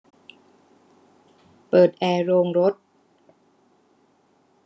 เปิดแอร์โรงรถ